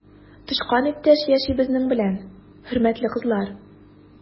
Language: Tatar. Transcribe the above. Тычкан иптәш яши безнең белән, хөрмәтле кызлар!